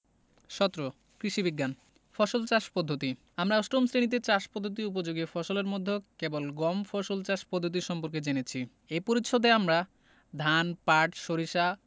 ১৭ কৃষি বিজ্ঞান ফসল চাষ পদ্ধতি আমরা অষ্টম শ্রেণিতে চাষ উপযোগী ফসলের মধ্য কেবল গম ফসল চাষ পদ্ধতি সম্পর্কে জেনেছি এ পরিচ্ছেদে আমরা ধান পাট সরিষা